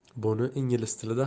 buni ingliz tilida